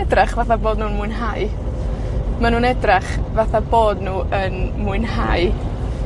edrach fatha bod nw'n mwynhau. Ma' nw'n edrach fatha bod nw yn mwynhau.